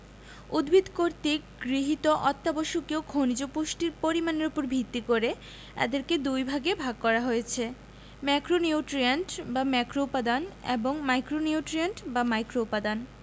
উদ্ভিদ কর্তৃক গৃহীত অত্যাবশ্যকীয় খনিজ পুষ্টির পরিমাণের উপর ভিত্তি করে এদেরকে দুইভাগে ভাগ করা হয়েছে ম্যাক্রোনিউট্রিয়েন্ট বা ম্যাক্রোউপাদান এবং মাইক্রোনিউট্রিয়েন্ট বা মাইক্রোউপাদান